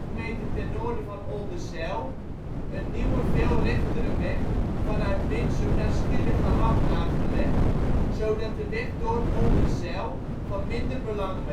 meter ten noorden van Oldenzijl een nieuwe veel rechtere weg vanuit Winsum naar Schilligeham aangelegd, zodat de weg door Oldenzijl van minder belang